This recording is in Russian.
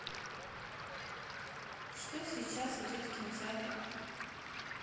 что сейчас идет в кинотеатрах